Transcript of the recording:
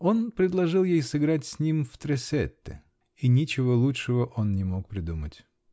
Он предложил ей сыграть с ним в тресетте -- и ничего лучшего он не мог придумать.